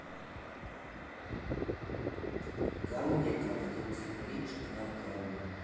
Գարուն եկավ՝ թռուցիկների չքնաղ գարունը։